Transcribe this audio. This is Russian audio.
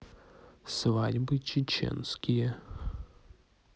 свадьбы чеченские